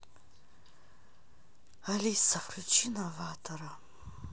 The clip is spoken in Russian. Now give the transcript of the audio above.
алиса включи новатора